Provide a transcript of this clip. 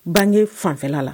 Bange fanfɛla la